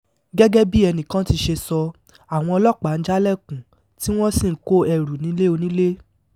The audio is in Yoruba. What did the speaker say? Gẹ́gẹ́ bí ẹnìkan ti ṣe sọ, àwọn ọlọ́pàá ń jálẹ̀kùn tí wọ́n sì ń kó ẹrù nílé onílé.